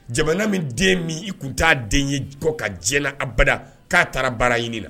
Jamana min den min i tun t'a den ye jɔ ka diɲɛna abada k'a taara baara ɲini na